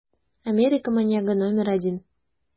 Америка маньягы № 1